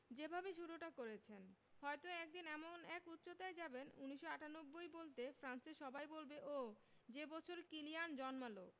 যেভাবে শুরুটা করেছেন হয়তো একদিন এমন এক উচ্চতায় যাবেন ১৯৯৮ বলতে ফ্রান্সের সবাই বলবে ওহ্ যে বছর কিলিয়ান জন্মাল